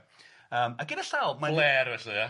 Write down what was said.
Yym a gyda llaw... Blêr felly ia?...